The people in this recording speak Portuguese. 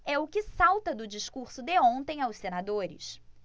é o que salta do discurso de ontem aos senadores